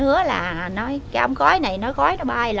hứa là nói cái ống khói này khói bay